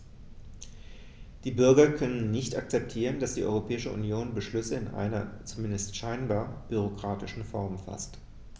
Die Bürger können nicht akzeptieren, dass die Europäische Union Beschlüsse in einer, zumindest scheinbar, bürokratischen Form faßt.